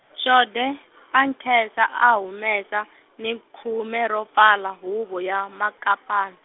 Xede, a nkhensa, a humesa, ni khume, ro pfala huvo, ya Makapan-.